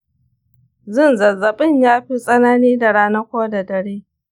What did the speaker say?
shin zazzabin ya fi tsanani da rana ko da dare?